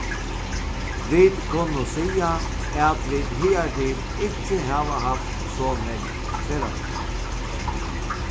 vit kunnu siga at vit higartil ikki hava havt so nógv ferðafólk